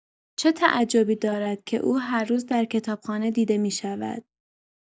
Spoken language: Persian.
چه تعجبی دارد که او هر روز در کتابخانه دیده می‌شود؟